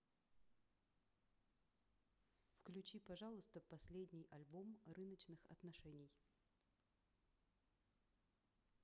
включи пожалуйста последний альбом рыночных отношений